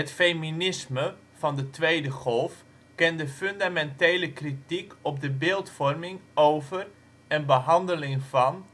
feminisme van de tweede golf kende fundamentele kritiek op de beeldvorming over en behandeling van